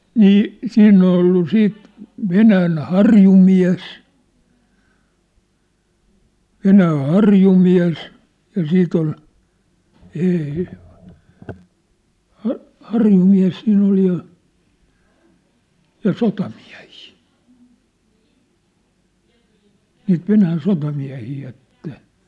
niin siinä oli ollut sitten Venäjän harjumies Venäjän harjumies ja siitä oli -- harjumies siinä oli ja ja sotamiehiä niitä Venäjän sotamiehiä että ne